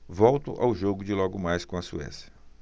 volto ao jogo de logo mais com a suécia